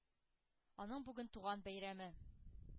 Аның бүген туган бәйрәме.